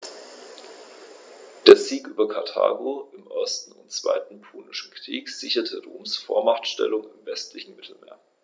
Der Sieg über Karthago im 1. und 2. Punischen Krieg sicherte Roms Vormachtstellung im westlichen Mittelmeer.